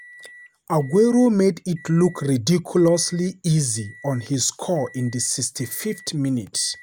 Aguero made it look ridiculously easy on his score in the 65th minute.